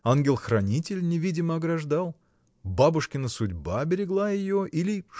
Ангел-хранитель невидимо ограждал? бабушкина судьба берегла ее? или.